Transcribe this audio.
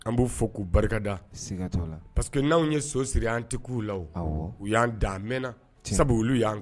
An b'u fɔ k'u barikada, sika t'o la parce que n'anw ye so siri an tɛ k'u la wo , awɔ, u y'an dan a mɛnna sabu olu y'an